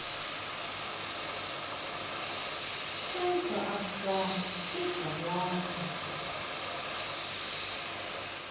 танька овца ты согласна